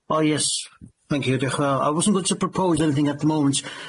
Oh yes, thank you, dioch y' faw'. I wasn't going to propose anything at the moment